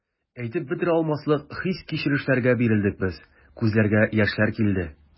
Әйтеп бетерә алмаслык хис-кичерешләргә бирелдек без, күзләргә яшьләр килде.